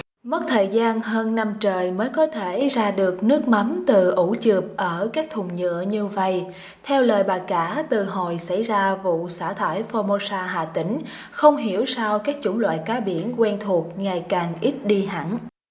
mất thời gian hơn năm trời mới có thể ra được nước mắm từ ủ chượp ở các thùng nhựa như vậy theo lời bà cả từ hồi xảy ra vụ xả thải formosa hà tĩnh không hiểu sao các chủng loại cá biển quen thuộc ngày càng ít đi hẳn